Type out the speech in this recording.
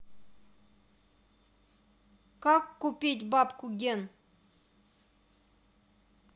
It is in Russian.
как купить бабку ген